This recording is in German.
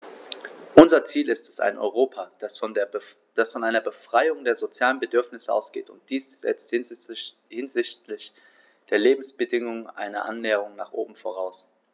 Unser Ziel ist ein Europa, das von einer Befriedigung der sozialen Bedürfnisse ausgeht, und dies setzt hinsichtlich der Lebensbedingungen eine Annäherung nach oben voraus.